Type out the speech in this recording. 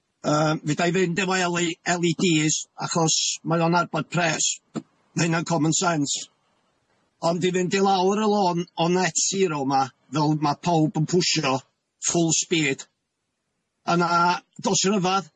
Yym fyddai fynd efo El i Dee s achos mae o'n arbad pres ma' hynna'n common sense ond i fynd i lawr y lôn o net zero 'ma, fel ma' powb yn pwsio, full speed yna dos ryfadd.